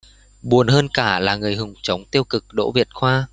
buồn hơn cả là người hùng chống tiêu cực đỗ việt khoa